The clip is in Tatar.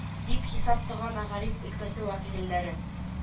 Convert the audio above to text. Дип хисап тота мәгариф өлкәсе вәкилләре